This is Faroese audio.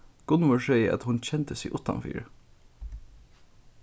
gunnvør segði at hon kendi seg uttanfyri